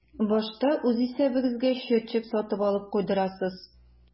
Башта үз исәбегезгә счетчик сатып алып куйдырасыз.